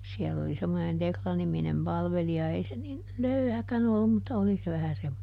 siellä oli semmoinen Tekla-niminen palvelija ei se niin löyhäkään ollut mutta oli se vähän semmoinen